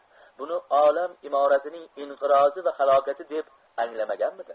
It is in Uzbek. buni olam imoratining inqirozi va halokati deb anglamaganmidi